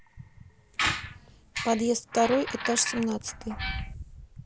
подъезд второй этаж семнадцатый